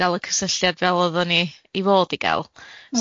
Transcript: ga'l y cysylltiad fel oddan ni i fod i ga'l.